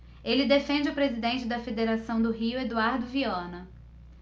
ele defende o presidente da federação do rio eduardo viana